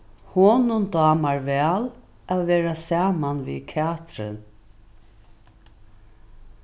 honum dámar væl at vera saman við katrin